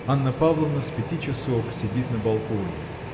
Анна Павловна с пяти часов сидит на балконе.